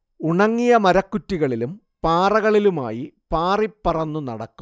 ഉണങ്ങിയ മരക്കുറ്റികളിലും പാറകളിലുമായി പാറിപ്പറന്നു നടക്കും